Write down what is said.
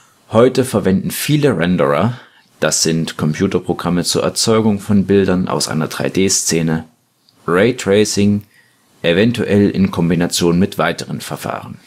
Heute verwenden viele Renderer (Computerprogramme zur Erzeugung von Bildern aus einer 3D-Szene) Raytracing, eventuell in Kombination mit weiteren Verfahren